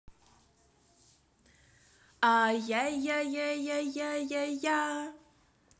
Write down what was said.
а я я я я я я я я